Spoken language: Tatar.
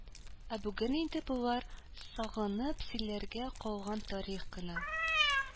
Ә бүген инде болар сагынып сөйләргә калган тарих кына